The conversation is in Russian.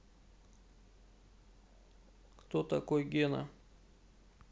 кто такой гена